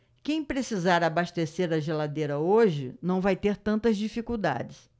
quem precisar abastecer a geladeira hoje não vai ter tantas dificuldades